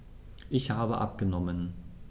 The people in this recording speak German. Ich habe abgenommen.